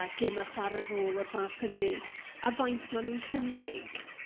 a gema' chwar'e rol o'r fath hynny a faint ma' nhw'n cynnig